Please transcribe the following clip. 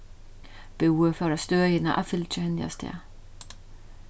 búi fór á støðina at fylgja henni avstað